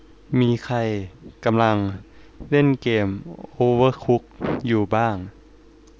มีใครกำลังเล่นเกมโอเวอร์คุกอยู่บ้าง